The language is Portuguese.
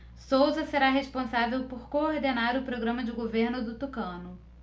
souza será responsável por coordenar o programa de governo do tucano